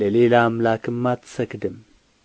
ለሌላ አምላክም አትሰግድም